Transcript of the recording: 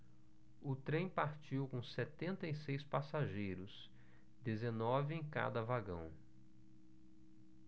o trem partiu com setenta e seis passageiros dezenove em cada vagão